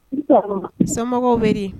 I ni sɔgɔma somɔgɔw be di